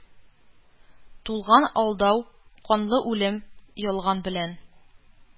Тулган алдау, канлы үлем, ялган белән!